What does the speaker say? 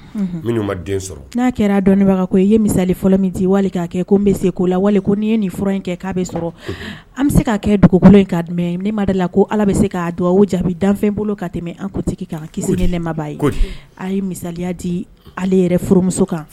N'a kɛra dɔnnibaga i ye misali fɔlɔ min wali k' kɛ ko n bɛ se k'o la n ye nin f in kɛ k'a bɛ sɔrɔ an bɛ se k'a kɛ dugukolo in ka di min mada la ko ala bɛ se k'a dugawu jaabi danfɛn bolo ka tɛmɛ an kuntigi ka kisilenmaba ye a ye misaya di ale yɛrɛ fmuso kan